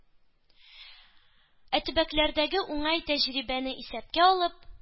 Ә төбәкләрдәге уңай тәҗрибәне исәпкә алып,